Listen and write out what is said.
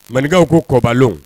Mankaw ko kɔba